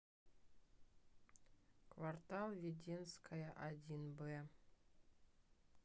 квартал веденская один б